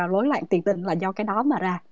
rối loạn tiền đình là do cái đó mà ra